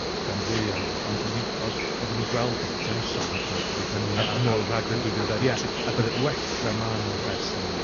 gan fwyaf, ond oeddan ni o'dd- oeddan ni'n gweld y potential hyd yn oed pryd hynny... A nôl Rhagfyr dwy fil dau ddeg tri. Ie, a bydda... wella ma' nw ers hynny.